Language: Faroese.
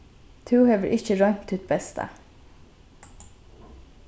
tú hevur ikki roynt títt besta